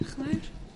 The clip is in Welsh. Dio'ch yn fawr.